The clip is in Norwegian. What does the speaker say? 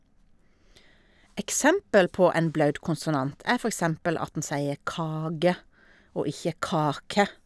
Eksempel på en blaut konsonant er for eksempel at en sier kage og ikke kake.